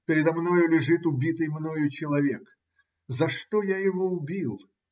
Передо мною лежит убитый мною человек. За что я его убил?